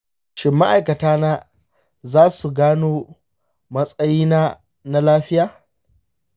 shin ma'aikata na za su gano matsayina na lafiya?